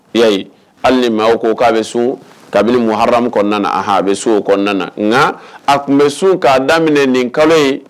Ya hali ni maa ko k' a bɛ sun kabini haramu kɔnɔna a a bɛ so o kɔnɔna nka a tun bɛ sun k'a daminɛ nin kalo ye